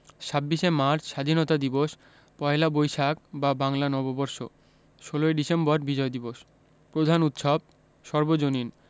২৬শে মার্চ স্বাধীনতা দিবস পহেলা বৈশাখ বা বাংলা নববর্ষ ১৬ই ডিসেম্বর বিজয় দিবস প্রধান উৎসবঃ সর্বজনীন